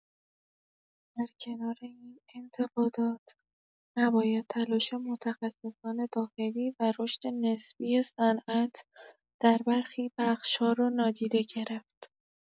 در کنار این انتقادات، نباید تلاش متخصصان داخلی و رشد نسبی صنعت در برخی بخش‌ها را نادیده گرفت.